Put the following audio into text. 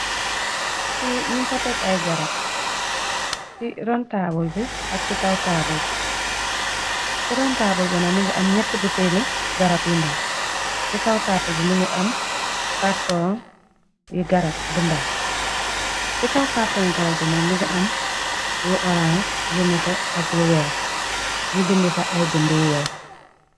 Ki ñu fa tegg ay garab, ci ron tabul bi ak ci kaw tabul bi, ci ron tabul nak mungi nak më ngi am ñetti bu teeli garab yi ndaw . Ci kaw tabul bi me ngi am carton yi garab bu ndaw , ci kaw carton garab bi nak me ngi am mëngi am lu orange ,lu nete ak lu weex, ñu bindi fa ay bindiy weex.